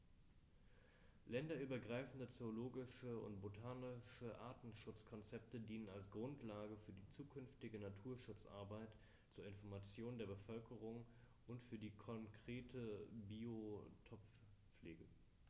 Länderübergreifende zoologische und botanische Artenschutzkonzepte dienen als Grundlage für die zukünftige Naturschutzarbeit, zur Information der Bevölkerung und für die konkrete Biotoppflege.